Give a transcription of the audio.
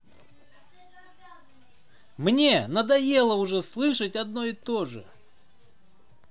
мне надоело уже слушать одно и тоже